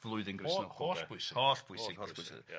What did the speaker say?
Blwyddyn Gristnog... Ho- holl bwysig... holl bwysig holl bwysig ia.